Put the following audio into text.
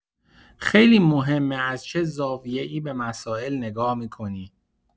خیلی مهمه از چه زاویه‌ای به مسائل نگاه می‌کنی.